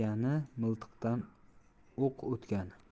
miltiqdan o'q otgani